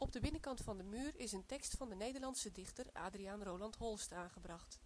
de binnenkant van de muur is een tekst van de Nederlandse dichter Adriaan Roland Holst aangebracht